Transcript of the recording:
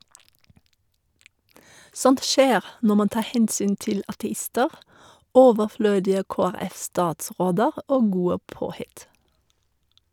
Sånt skjer når man tar hensyn til ateister, overflødige KrF-statsråder og gode påhitt.